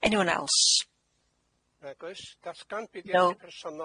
Anyone else? No.